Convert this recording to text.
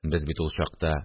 Без бит ул чакта